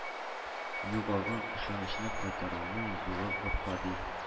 Югалган ышанычны кайтаруның юлы гап-гади: